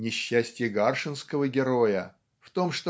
несчастье гаршинского героя в том